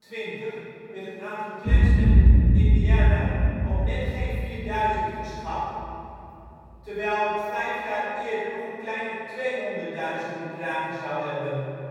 1928 werd het aantal Klansmen in Indiana op net geen 4000 geschat terwijl het vijf jaar eerder nog een kleine 200.000 bedragen zou hebben